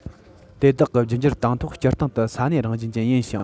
དེ དག གི རྒྱུད འགྱུར དང ཐོག སྤྱིར བཏང དུ ས གནས རང བཞིན ཅན ཡིན ཞིང